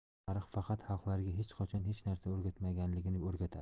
tarix faqat xalqlarga hech qachon hech narsa o'rgatmaganligini o'rgatadi